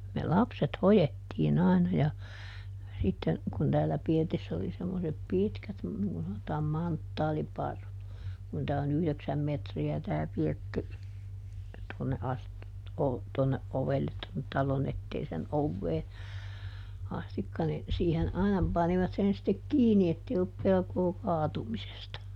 me lapset hoettiin aina ja sitten kun täällä pirtissä oli semmoiset pitkät niin kuin sanotaan manttaaliparrut kun tämä on yhdeksän metriä tämä pirtti tuonne asti - tuonne ovelle tuonne talon eteisen oveen asti niin siihen aina panivat sen sitten kiinni että ei ollut pelkoa kaatumisesta